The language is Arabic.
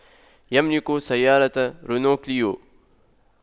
يملك سيارة رنوكليو